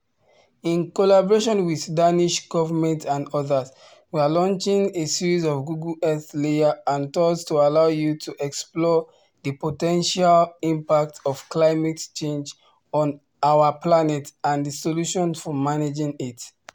In collaboration with the Danish government and others, we are launching a series of Google Earth layers and tours to allow you to explore the potential impacts of climate change on our planet and the solutions for managing it.